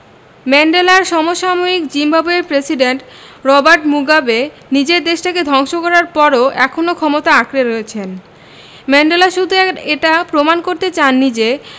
ম্যান্ডেলার সমসাময়িক জিম্বাবুয়ের প্রেসিডেন্ট রবার্ট মুগাবে নিজের দেশটাকে ধ্বংস করার পরও এখনো ক্ষমতা আঁকড়ে রয়েছেন ম্যান্ডেলা শুধু এটা প্রমাণ করতে চাননি যে